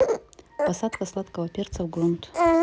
посадка сладкого перца в грунт